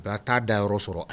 A t'a da yɔrɔ sɔrɔ.